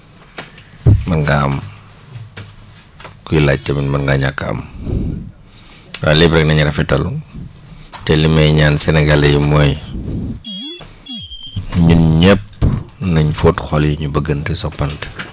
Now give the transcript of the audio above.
mën ngaa am kuy laaj tamit mën ngaa ñàkk a am waaye lépp rek na ñu rafetal te li may ñaan sénégalais yi mooy ñun ñëpp nañ fóot xol yi ñu bëggante soppante